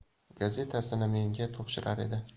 gazetasini menga topshirishar edi